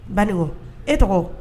Baninkɔ, e tɔgɔ